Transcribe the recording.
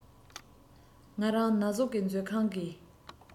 ང རང ན ཟུག གིས མཛོད ཁང གི